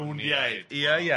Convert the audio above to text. Barwniaidd, ia, ia.